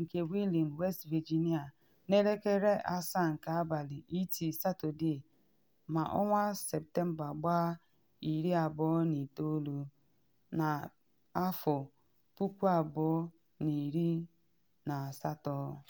nke Wheeling West Virginia na elekere 7 nke abalị. ET, Satọde, Septemba 29, 2018.